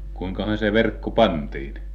kuinkahan se verkko pantiin